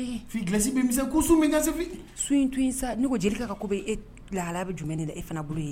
In tun in sa ne ko jelikɛ ka ko bɛ e lala bɛ jumɛn de e fana bolo ye